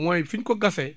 mooy fi ñu ko gasee